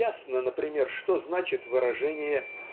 ясно, например, что значит выражение